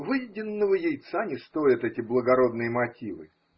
Выеденного яйца не стоят эти благородные мотивы.